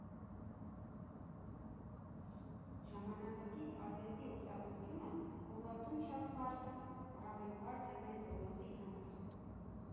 Ժամանակակից արվեստի օգտագործումը գովազդում շատ բարդ է, առավել բարդ է մեր ոլորտի համար։